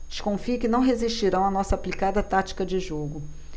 desconfio que não resistirão à nossa aplicada tática de jogo